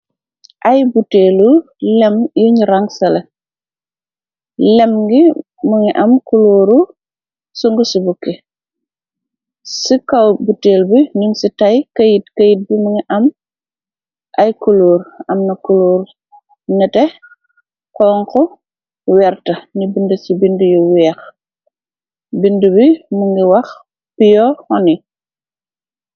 Ay buteelu lem yiñ rang sala lem ngi mu ngi am kulóoru su ngu ci bukki ci kaw buteel bi nim ci tay kayit bi mungi am ay kulooru amna kulooru nete xonxu werta ni bind ci bind yu weex bind bi mu ngi wax piyo honi.